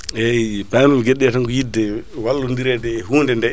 eyyi pamirmi gueɗeɗe tan ko yidde wallodire hundede